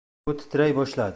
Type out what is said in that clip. u titray boshladi